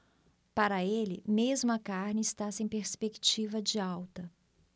para ele mesmo a carne está sem perspectiva de alta